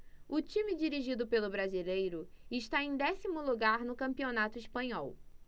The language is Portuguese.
o time dirigido pelo brasileiro está em décimo lugar no campeonato espanhol